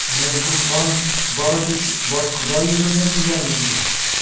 Мәңгүк хан бары тик башкода йөзендә килгән безгә!